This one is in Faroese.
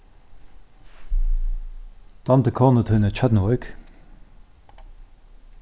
dámdi konu tíni tjørnuvík